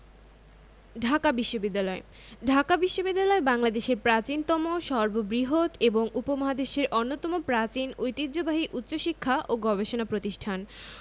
ঢাকা বিশ্ববিদ্যালয় ঢাকা বিশ্ববিদ্যালয় বাংলাদেশের প্রাচীনতম সর্ববৃহৎ এবং উপমহাদেশের অন্যতম প্রাচীন ঐতিহ্যবাহী উচ্চশিক্ষা ও গবেষণা প্রতিষ্ঠান